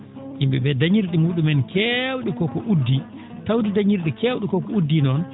yim?e ?e dañir?e mu?um en keew?e ko ko uddi tawde dañir?e keew?e ko ko uddi noon